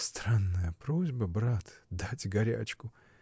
— Странная просьба, брат, дать горячку!